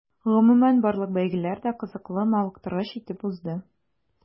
Гомумән, барлык бәйгеләр дә кызыклы, мавыктыргыч итеп узды.